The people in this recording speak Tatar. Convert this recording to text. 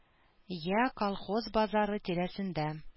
Йә колхоз базары тирәсендә